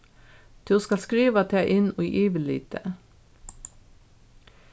tú skalt skriva tað inn í yvirlitið